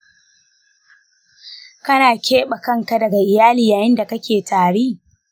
kana keɓe kanka daga iyali yayin da kake tari?